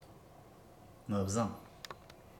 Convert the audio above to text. མི བཟང